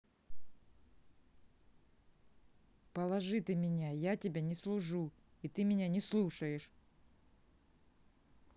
положи ты меня я тебя не служу и ты меня не слушаешь